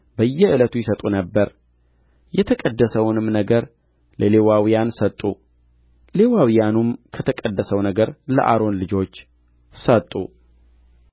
በየዕለቱ ይሰጡ ነበር የተቀደሰውንም ነገር ለሌዋውያን ሰጡ ሌዋውያኑም ከተቀደሰው ነገር ለአሮን ልጆች ሰጡ